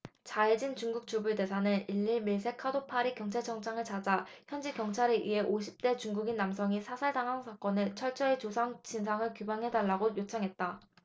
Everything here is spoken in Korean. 자이쥔 중국 주불대사는 일 일 미셀 카도 파리 경찰청장을 찾아 현지 경찰에 의해 오십 대 중국인 남성이 사살당한 사건을 철저히 조사 진상을 규명해달라고 요청했다